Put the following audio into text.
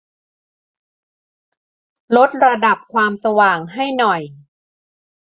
ลดระดับความสว่างให้หน่อย